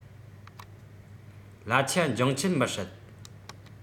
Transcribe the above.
གླ ཆ འགྱངས ཆད མི སྲིད